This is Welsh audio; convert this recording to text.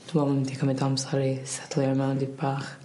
dwi me'wl ma' mynd i cymyd amser i setlio mewn 'dig bach.